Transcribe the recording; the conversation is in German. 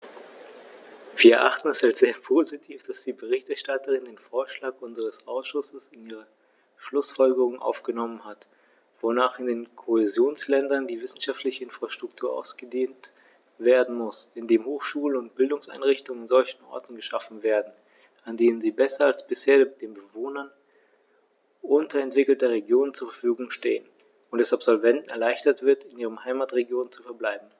Wir erachten es als sehr positiv, dass die Berichterstatterin den Vorschlag unseres Ausschusses in ihre Schlußfolgerungen aufgenommen hat, wonach in den Kohäsionsländern die wissenschaftliche Infrastruktur ausgedehnt werden muss, indem Hochschulen und Bildungseinrichtungen an solchen Orten geschaffen werden, an denen sie besser als bisher den Bewohnern unterentwickelter Regionen zur Verfügung stehen, und es Absolventen erleichtert wird, in ihren Heimatregionen zu verbleiben.